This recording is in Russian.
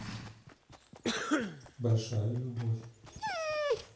большая любовь